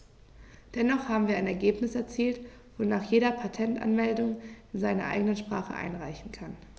Dennoch haben wir ein Ergebnis erzielt, wonach jeder Patentanmeldungen in seiner eigenen Sprache einreichen kann.